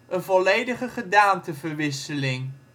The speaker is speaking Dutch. een volledige gedaanteverwisseling